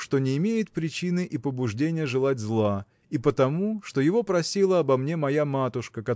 что не имеет причины и побуждения желать зла и потому что его просила обо мне моя матушка